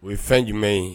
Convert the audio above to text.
O ye fɛn jumɛn ye